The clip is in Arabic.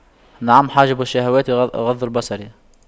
نعم حاجب الشهوات غض البصر